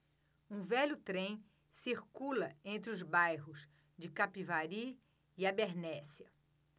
um velho trem circula entre os bairros de capivari e abernéssia